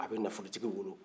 a bɛ nafolo tigi wolo